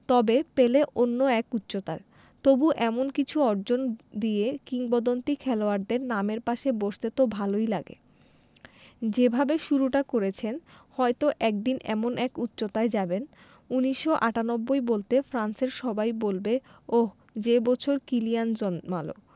তবে পেলে অন্য এক উচ্চতার তবু এমন কিছু অর্জন দিয়ে কিংবদন্তি খেলোয়াড়দের নামের পাশে বসতে তো ভালোই লাগে যেভাবে শুরুটা করেছেন হয়তো একদিন এমন এক উচ্চতায় যাবেন ১৯৯৮ বলতে ফ্রান্সের সবাই বলবে ওহ্ যে বছর কিলিয়ান জন্মাল